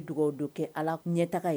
Dugawu don kɛ ala ɲɛ taga ye